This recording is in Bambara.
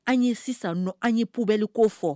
An ye sisan nɔ an ye poubelle ko fɔ.